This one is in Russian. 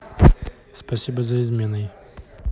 спасибо за изменой